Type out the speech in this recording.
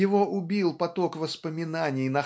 его убил поток воспоминаний